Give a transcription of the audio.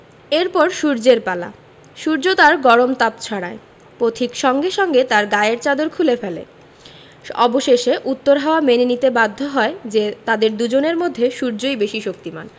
এর পর সূর্যের পালা সূর্য তার গরম তাপ ছড়ায় পথিক সঙ্গে সঙ্গে তার গায়ের চাদর খুলে ফেলে অবশেষে উত্তর হাওয়া মেনে নিতে বাধ্য হয় যে তাদের দুজনের মধ্যে সূর্যই বেশি শক্তিমান